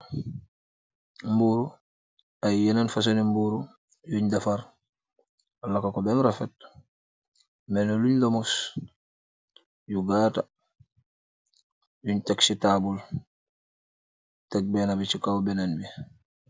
Mburu aiiy yehnen fasoni mburu yungh defarr, lahkah kor behm rafet melni lungh lohmoss, yu gatah yungh tek cii taabul, tek bena bii cii kaww benen bii.